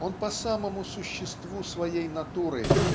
Он по самому существу своей натуры